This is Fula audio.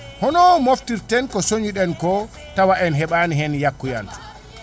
hono moftirten ko soñi ɗen ko tawa en heeɓani hen hakkuyantu